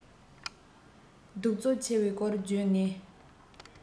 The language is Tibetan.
སྡུག རྩུབ ཆེ བའི སྐོར བརྗོད ངེས